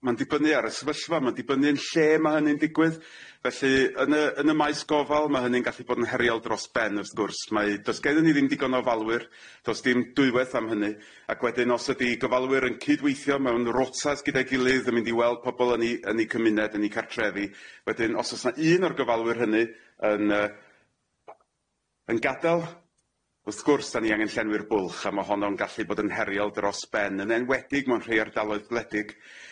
ma'n dibynnu ar y sefyllfa ma'n dibynnu yn lle ma' hynny'n digwydd felly yn y yn y maes gofal ma' hynny'n gallu bod yn heriol dros ben wrth gwrs mae, do's gennyn ni ddim digon o ofalwyr, do's dim dwywaith am hynny, ac wedyn os ydi gofalwyr yn cydweithio mewn rotas gyda'i gilydd yn mynd i weld pobol yn eu yn eu cymuned yn eu cartrefi wedyn os o's 'na un o'r gofalwyr hynny yn yy yn gadal wrth gwrs dan ni angen llenwi'r bwlch a ma' honno'n gallu bod yn heriol dros ben yn enwedig mewn rhei ardaloedd gwledig.